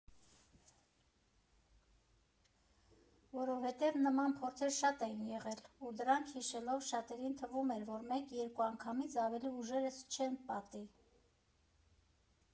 Որովհետև նման փորձեր շատ էին եղել, ու դրանք հիշելով, շատերին թվում էր, որ մեկ֊երկու անգամից ավելի ուժերս չեն պատի։